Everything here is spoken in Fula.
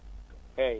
eeyi